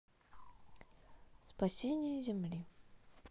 спасение земли